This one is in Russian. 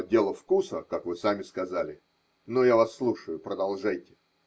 – Дело вкуса, как вы сами сказали. Но я вас слушаю, продолжайте.